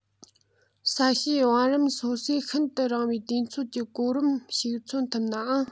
ས གཤིས བང རིམ སོ སོས ཤིན ཏུ རིང བའི དུས ཚོད ཀྱི གོམ རིམ ཞིག མཚོན ཐུབ ནའང